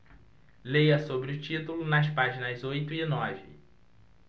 leia sobre o título nas páginas oito e nove